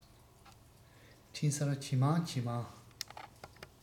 འཕྲིན གསར ཇེ མང ཇེ མང